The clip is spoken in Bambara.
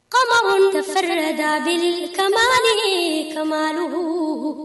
Kaba minnufɛ da kainlu